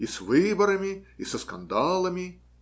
и с выборами и со скандалами